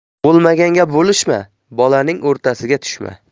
bo'lmaganga bo'lishma bolaning o'rtasiga tushma